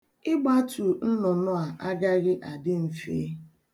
Ịgbatu nnụnụ a, agaghị adị mfe.